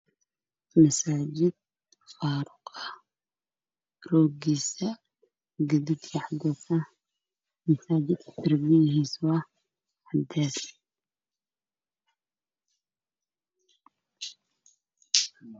Halkaan waa meel masaajid ah darbiga waa cadaan rooga saaran waa guduud iyo dahabi